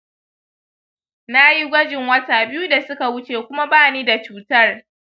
nayi gwajin wata biyu da suka wuce kuma bani da cutar.